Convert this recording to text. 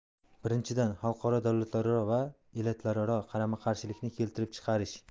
birinchidan xalqaro davlatlararo va elatlararo qarama qarshilikni keltirib chiqarish